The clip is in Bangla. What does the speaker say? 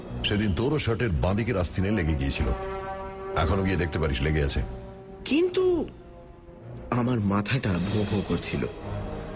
সেদিন তোরও শার্টের বাঁদিকের আস্তিনে লেগে গিয়েছিল এখনও গিয়ে দেখতে পারিস লেগে আছে কিন্তু আমার মাথাটা ভোঁ ভোঁ করছিল